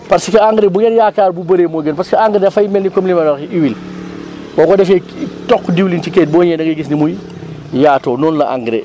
parce que engrais bu ngeen yaakaar bu bëree moo gën parce que engrais dafay mel ni comme li may wax huile boo ko defee ci toq diwlin ci këyit boo ñëwee da ngay gis ni muy yaatoo noonu la engrais